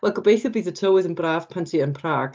Wel, gobeithio bydd y tywydd yn braf pan ti yn Prag.